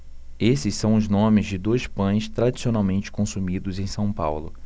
esses são os nomes de dois pães tradicionalmente consumidos em são paulo